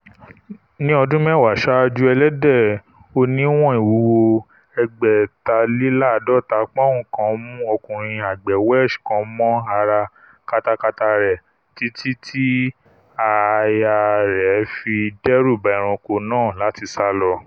Ní ọdún mẹ́wàá ṣáájú, ẹlẹ́dẹ̀ oníwọ̀n ìwúwo ẹgbẹ̀taléláààdọ́ta pọ́un kan mú ọkùnrin àgbẹ̀ Welsh kan mọ́ ara katakata rẹ títí ti aya rẹ̀ fi dẹ́rùba ẹranko náà láti sálọ.